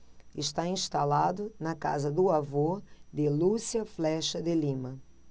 está instalado na casa do avô de lúcia flexa de lima